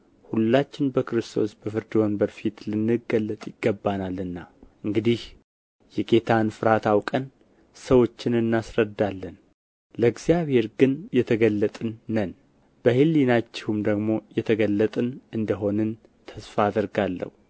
ሁላችን በክርስቶስ በፍርድ ወንበር ፊት ልንገለጥ ይገባናልና እንግዲህ የጌታን ፍርሃት አውቀን ሰዎችን እናስረዳለን ለእግዚአብሔር ግን የተገለጥን ነን በሕሊናችሁም ደግሞ የተገለጥን እንደ ሆንን ተስፋ አደርጋለሁ